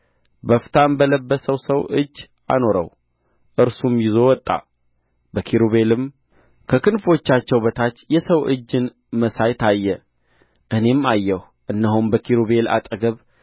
በፍታም በለበሰው ሰው እጅ አኖረው እርሱም ይዞ ወጣ በኪሩቤልም ከክንፎቻቸው በታች የሰው እጅን መሳይ ታየ እኔም አየሁ እነሆም በኪሩቤል አጠገብ